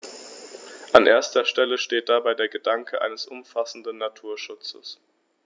An erster Stelle steht dabei der Gedanke eines umfassenden Naturschutzes.